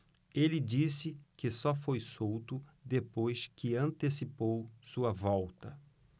ele disse que só foi solto depois que antecipou sua volta